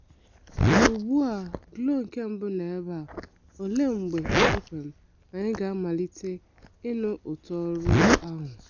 Ugbu a Glo-1 nọ ebe a, olee mgbe kpọmkwem anyị ga-amalite ịnụ ụtọ ọrụ ahụ?